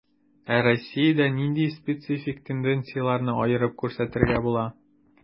Ә Россиядә нинди специфик тенденцияләрне аерып күрсәтергә була?